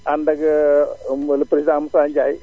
ànd ak le président Moussa Ndiaye